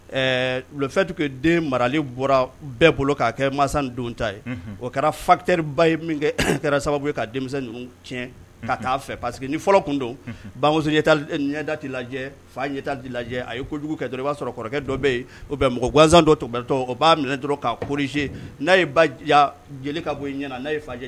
Fɛ tun den marali bɔra bɛɛ bolo' kɛ masa ta ye o kɛra faba ye min kɛ sababu ye ka denmisɛn tiɲɛ kaa fɛ parce ni fɔlɔ tun don bamuso ɲɛda lajɛ fa ɲɛ lajɛ a ye kojugu kɛ jɔ i b'a sɔrɔ kɔrɔkɛ dɔ bɛ yen o bɛ mɔgɔ gansandɔtɔ o b'a minɛ dɔrɔn k'a kose n'a ye ba jeli ka bɔ ɲɛna'